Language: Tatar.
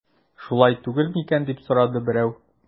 Шулай түгел микән дип сорады берәү.